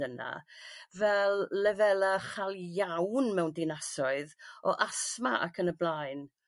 yna fel lefela' ychal iawn mewn dinasoedd o asthma ac yn y blaen.